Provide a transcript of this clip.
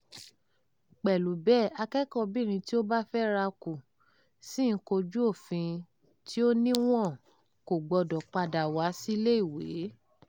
Pẹ̀lú bẹ́ẹ̀, akẹ́kọ̀ọ́bìnrin tí ó bá fẹ́rakù ṣì ń kojú òfin tí ó ní wọn kò gbọdọ̀ padà wá sílé ìwé.